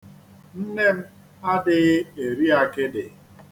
Nne m adịghị eri akịdị.